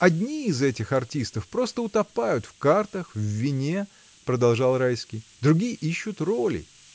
— Одни из этих артистов просто утопают в картах, в вине, — продолжал Райский, — другие ищут роли.